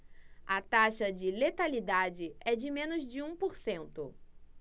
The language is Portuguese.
a taxa de letalidade é de menos de um por cento